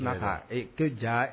Ee' ja